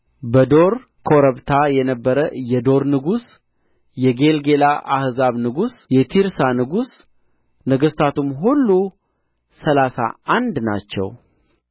በዶር ኮረብታ የነበረ የዶር ንጉሥ የጌልገላ አሕዛብ ንጉሥ የቲርሳ ንጉሥ ነገሥታቱ ሁሉ ሠላሳ አንድ ናቸው